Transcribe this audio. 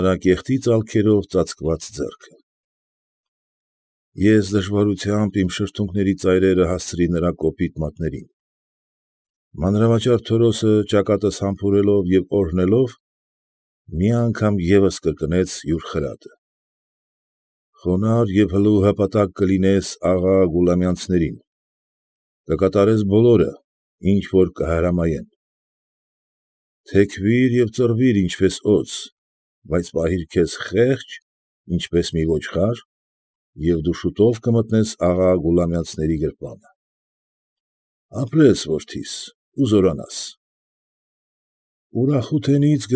Գործակատարի հիշատակարանից։